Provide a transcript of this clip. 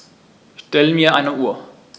Stell mir eine Uhr.